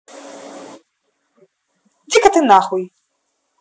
иди ка ты нахуй